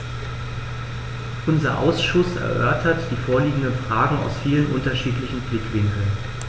Unser Ausschuss erörtert die vorliegenden Fragen aus vielen unterschiedlichen Blickwinkeln.